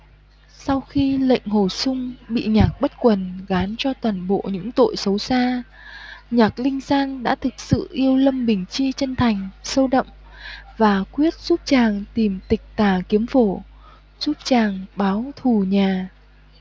sau khi lệnh hồ xung bị nhạc bất quần gán cho toàn bộ những tội xấu xa nhạc linh san đã thực sự yêu lâm bình chi chân thành sâu đậm và quyết giúp chàng tìm tịch tà kiếm phổ giúp chàng báo thù nhà